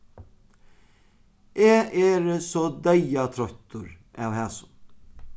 eg eri so deyðatroyttur av hasum